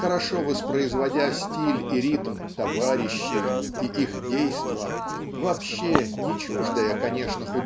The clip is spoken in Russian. Хорошо воспроизводя стиль и ритм "товарищей" и их действа вообще не чуждая конечно